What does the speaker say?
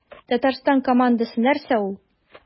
Татарстан командасы нәрсә ул?